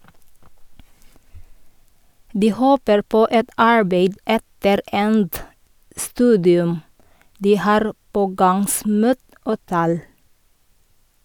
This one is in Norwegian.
De håper på et arbeid etter endt studium, de har pågangsmot og tæl.